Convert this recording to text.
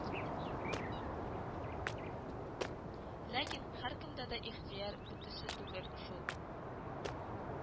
Ләкин һәркемдә дә ихтыяр бертөсле түгел шул